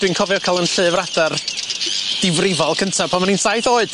Dwi'n cofio ca'l yn llyfr adar difrifol cynta pan o'n i'n saith oed.